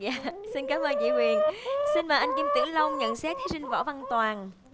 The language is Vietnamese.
dạ xin cám ơn chị huyền xin mời anh kim tử long nhận xét thí sinh võ văn toàn